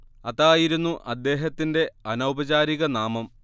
അതായിരുന്നു അദ്ദേഹത്തിന്റെ അനൗപചാരികനാമം